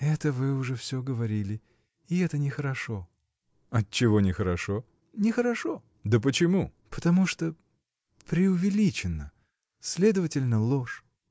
— Это вы уже всё говорили — и это нехорошо. — Отчего нехорошо? — Нехорошо! — Да почему? — Потому что. преувеличенно. следовательно — ложь.